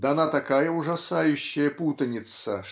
дана такая ужасающая путаница